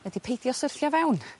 ydi peidio syrthio fewn.